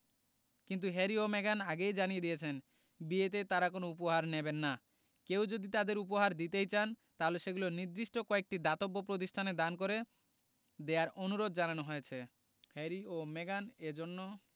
কিন্তু হ্যারি ও মেগান আগেই জানিয়ে দিয়েছেন বিয়েতে তাঁরা কোনো উপহার নেবেন না কেউ যদি তাঁদের উপহার দিতেই চান তাহলে সেগুলো নির্দিষ্ট কয়েকটি দাতব্য প্রতিষ্ঠানে দান করে দেয়ার অনুরোধ জানানো হয়েছে হ্যারি ও মেগান এ জন্য